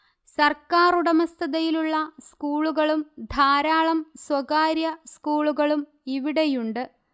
സർക്കാറുടമസ്ഥതയിലുള്ള സ്കൂളുകളും ധാരാളം സ്വകാര്യ സ്കൂളുകളും ഇവിടെയുണ്ട്